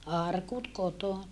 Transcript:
arkut kotona